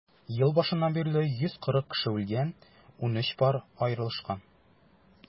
Ел башыннан бирле 140 кеше үлгән, 13 пар аерылышкан.